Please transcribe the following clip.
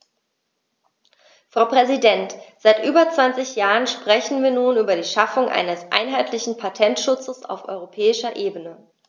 Frau Präsidentin, seit über 20 Jahren sprechen wir nun über die Schaffung eines einheitlichen Patentschutzes auf europäischer Ebene.